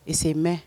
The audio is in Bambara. Il se met